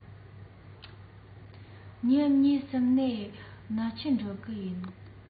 ཉིན གཉིས གསུམ ནས ནག ཆུར འགྲོ གི ཡིན